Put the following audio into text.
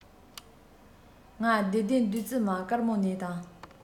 ང བདེ ལྡན བདུད རྩི མ དཀར མོ ནས དང